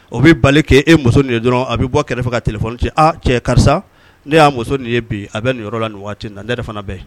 O bɛ bali kɛ e muso nin dɔrɔn a bɛ bɔ kɛrɛfɛ fɛ ka cɛ cɛ karisa ne y'a muso nin bi a bɛ ninyɔrɔ la nin waati na ne de fana bɛɛ